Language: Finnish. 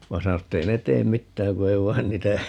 vaan sanoi että ei ne tee mitään kun ei vain niitä